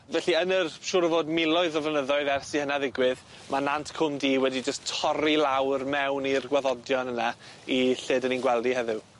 Felly yn yr siŵr o fod miloedd o flynyddoedd ers i hynna ddigwydd ma' Nant Cwm Du wedi jyst torri lawr mewn i'r gwaddodion yna i lle 'dyn ni'n gweld 'i heddiw.